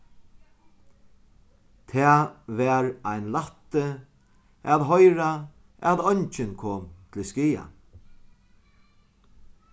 tað var ein lætti at hoyra at eingin kom til skaða